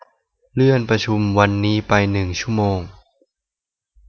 เลื่อนประชุมวันนี้ไปหนึ่งชั่วโมง